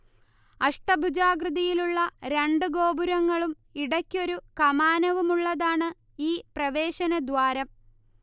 അഷ്ടഭുജാകൃതിയിലുള്ള രണ്ടു ഗോപുരങ്ങളും ഇടയ്ക്കൊരു കമാനവുമുള്ളതാണ് ഈ പ്രവേശനദ്വാരം